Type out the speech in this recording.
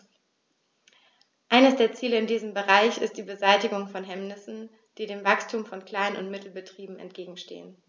Eines der Ziele in diesem Bereich ist die Beseitigung von Hemmnissen, die dem Wachstum von Klein- und Mittelbetrieben entgegenstehen.